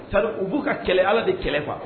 Saburi u b'u ka kɛlɛ ala de kɛlɛ faga